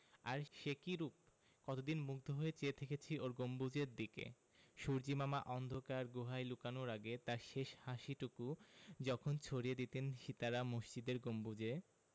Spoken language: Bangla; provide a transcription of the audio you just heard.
আর সে কি রুপ কতদিন মুগ্ধ হয়ে চেয়ে থেকেছি ওর গম্বুজের দিকে সূর্য্যিমামা অন্ধকার গুহায় লুকানোর আগে তাঁর শেষ হাসিটুকু যখন ঝরিয়ে দিতেন সিতারা মসজিদের গম্বুজে